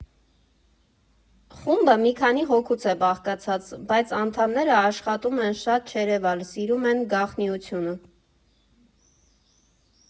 Խումբը մի քանի հոգուց է բաղկացած, բայց անդամները աշխատում են շատ չերևալ, սիրում են գաղտնիությունը։